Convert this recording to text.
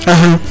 axa